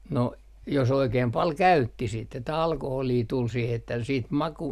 no jos oikein paljon käytti sitten että alkoholia tuli siihen että sitten maku